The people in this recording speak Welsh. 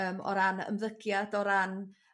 yym o ran ymddygiad o ran